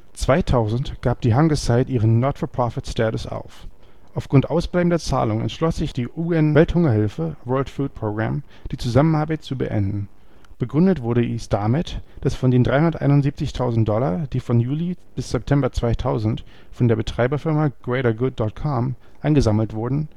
2000 gab die Hungersite ihren Not-for-profit-Status auf. Aufgrund ausbleibender Zahlungen entschloss sich die UNO-Welthungerhilfe (World Food Programme) die Zusammenarbeit zu beenden. Begründet wurde dies damit, dass von den 371.000 Dollar, die von Juli bis September 2000 von der Betreiberfirma GreaterGood.com eingesammelt wurden